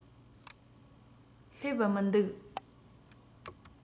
སླེབས མི འདུག